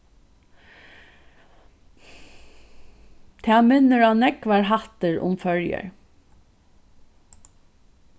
tað minnir á nógvar hættir um føroyar